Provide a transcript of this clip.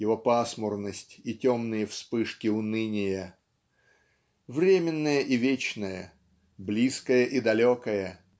его пасмурность и темные вспышки уныния. Временное и вечное близкое и далекое